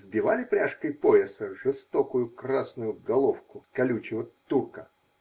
Сбивали пряжкой пояса жестокую красную головку с колючего "турка"?